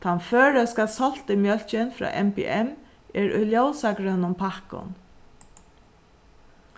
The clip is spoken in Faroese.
tann føroyska soltimjólkin frá mbm er í ljósagrønum pakkum